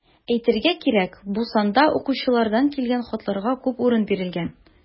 Әйтергә кирәк, бу санда укучылардан килгән хатларга күп урын бирелгән.